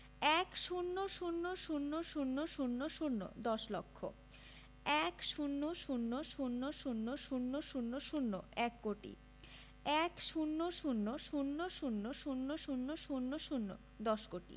১০০০০০০ দশ লক্ষ ১০০০০০০০ এক কোটি ১০০০০০০০০ দশ কোটি